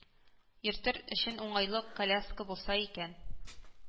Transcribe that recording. Йөртер өчен уңайлы коляскасы булса икән